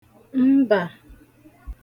mbà